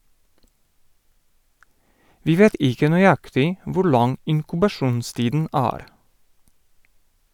- Vi vet ikke nøyaktig hvor lang inkubasjonstiden er.